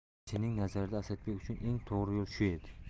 elchinning nazarida asadbek uchun eng to'g'ri yo'l shu edi